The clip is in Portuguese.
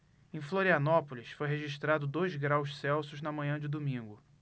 em florianópolis foi registrado dois graus celsius na manhã de domingo